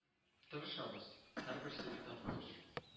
Тырышабыз, һәрберсе этаплы эш